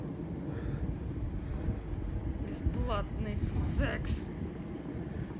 бесплатный секс